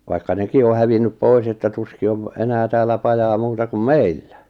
vaikka nekin on hävinneet pois että tuskin on enää täällä pajaa muuta kuin meillä